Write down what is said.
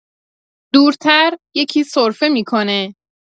دورتر، یکی سرفه می‌کنه.